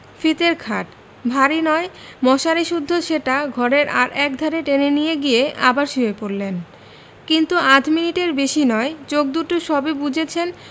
ফিতের খাট ভারী নয় মশারি সুদ্ধ সেটা ঘরের আর একধারে টেনে নিয়ে গিয়ে আবার শুয়ে পড়লেন কিন্তু আধ মিনিটের বেশি নয় চোখ দুটি সবে বুজেছেন